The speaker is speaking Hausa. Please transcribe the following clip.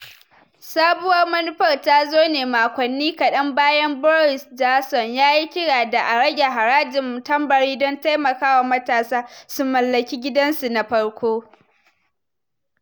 Sabuwar manufar ta zo ne makonni kaɗan bayan Boris Johnson ya yi kira da a rage harajin tambari don taimakawa matasa su mallaki gidansu na farko.